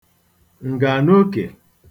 ǹgànokè